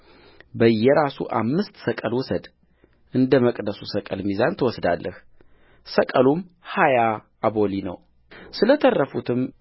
በየራሱ አምስት ሰቅል ውሰድእንደ መቅደሱ ሰቅል ሚዛን ትወስዳለህ ሰቅሉም ሀያ አቦሊ ነውስለ ተረፉትም